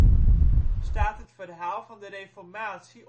staat het verhaal van de reformatie